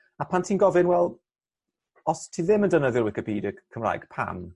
A pan ti'n gofyn wel os ti ddim yn defnyddio'r wicipede Cymraeg pam?